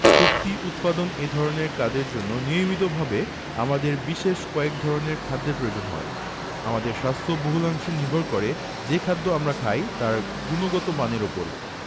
শক্তি উৎপাদন এ ধরনের কাজের জন্য নিয়মিতভাবে আমাদের বিশেষ কয়েক ধরনের খাদ্যের প্রয়োজন হয় আমাদের স্বাস্থ্য বহুলাংশে নির্ভর করে যে খাদ্য আমরা খাই তার গুণগত মানের ওপর